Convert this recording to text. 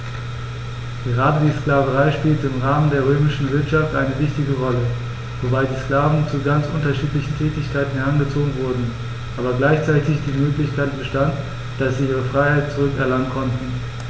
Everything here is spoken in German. Gerade die Sklaverei spielte im Rahmen der römischen Wirtschaft eine wichtige Rolle, wobei die Sklaven zu ganz unterschiedlichen Tätigkeiten herangezogen wurden, aber gleichzeitig die Möglichkeit bestand, dass sie ihre Freiheit zurück erlangen konnten.